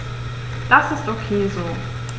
Das ist ok so.